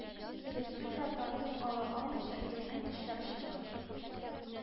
Бер сүз дә тартып ала алмыйча, иренен тешләп чыгып